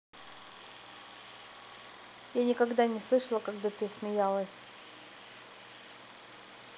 я никогда не слышала когда ты смеялась